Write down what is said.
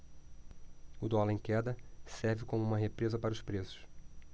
o dólar em queda serve como uma represa para os preços